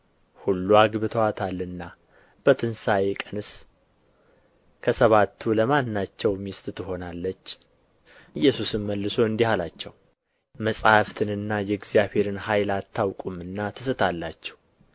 ሁሉ አግብተዋታልና በትንሣኤ ቀንስ ከሰባቱ ለማናቸው ሚስት ትሆናለች ኢየሱስም መልሶ እንዲህ አላቸው መጻሕፍትንና የእግዚአብሔርን ኃይል አታውቁምና ትስታላችሁ